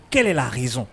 Kɛlɛ la hz